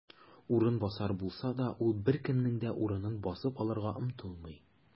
"урынбасар" булса да, ул беркемнең дә урынын басып алырга омтылмый.